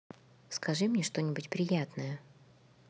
скажи мне что нибудь приятное